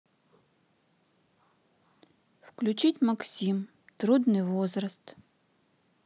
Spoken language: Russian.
включить максим трудный возраст